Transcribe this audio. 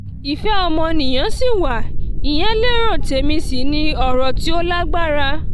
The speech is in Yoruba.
Ìfẹ́ ọmọnìyàn sì wà, ìyẹn lérò tèmi sì ni ọrọ̀ tí ó lágbára.